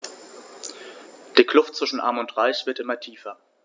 Die Kluft zwischen Arm und Reich wird immer tiefer.